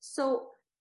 So